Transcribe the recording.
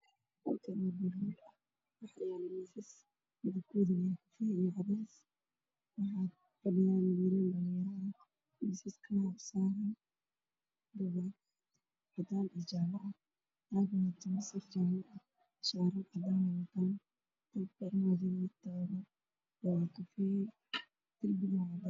Meshaan waxaa yaalo miisas midab koodu yahay cadaan iyo gaduud waxaa ku fadhiyo wilal